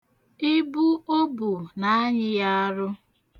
Ibu o bu na-anyị ya arụ.